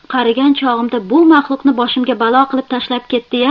qarigan chog'imda bu maxluqni boshimga balo qilib tashlab ketdi ya